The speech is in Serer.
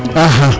axa